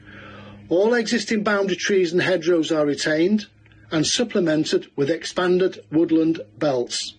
All existing boundary trees and hedgerows are retained and supplemented with expanded woodland belts.